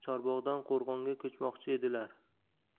chorbog'dan qo'rg'onga ko'chmoqchi edilar